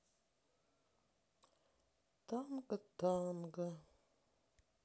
танго танго